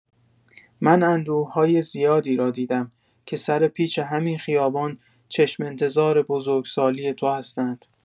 من اندوه‌های زیادی را دیدم که سر پیچ همین خیابان چشم‌انتظار بزرگ‌سالی تو هستند.